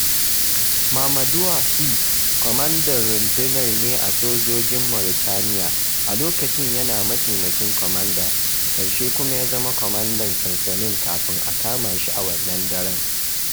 Mamadou Sy kwamandan rundunar ne a sojojin Mauritaniya, a lokacin yana mataimakin kwamanda, a ƙarshe kuma ya zama kwamandan sansani kafin a kama shi a wannan daren.